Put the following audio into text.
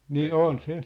niin on se